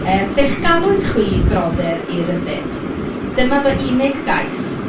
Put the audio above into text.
Yym "fe'ch galwyd chwi frodyr i ryddid dyma fy unig gais."